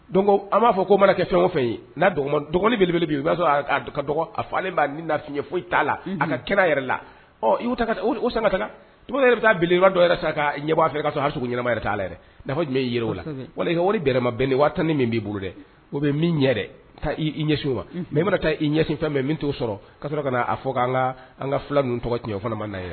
Don an b'a fɔ k'o mana kɛ fɛn o fɛn ye dɔgɔnin bele u b'a dɔgɔ a fɔ b'a naɲɛ foyi t'a la a ka kira yɛrɛ la o yɛrɛ yɔrɔ dɔw yɛrɛ ɲɛ b'a fɛ k'a a sogo ɲɛna yɛrɛ t'a yɛrɛ n'a fɔ y yɛrɛ' o la wali bɛrɛma bɛn nin waa tan ni min b'i bolo dɛ o bɛ min ɲɛ taa ɲɛsinw ma mɛ mana taa i ɲɛsin fɛn mɛ min t'o sɔrɔ ka ka fɔ' an ka fila ninnu tɔgɔ tiɲɛ fana ma ye